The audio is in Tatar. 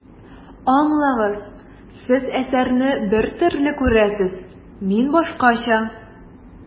Аңлагыз, Сез әсәрне бер төрле күрәсез, мин башкача.